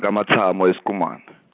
kaMatsamo eSkumane.